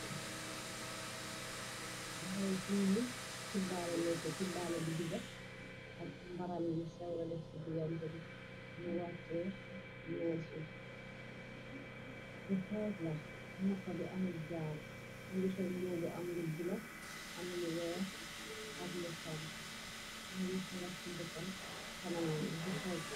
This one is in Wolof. Ndaw siini tibbaale ladef tibbaale bu dijax ak mbaram yu sewre def ci digante bi mu wàccee mees yi gu xees la noxa bi amul jaaru ngisoon boobu am lu bula am lu weex ak lu xanka muyu xala sigatal kanamoonbi di xocc.